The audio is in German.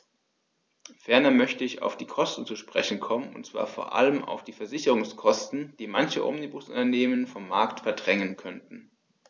Ferner möchte ich auf die Kosten zu sprechen kommen, und zwar vor allem auf die Versicherungskosten, die manche Omnibusunternehmen vom Markt verdrängen könnten.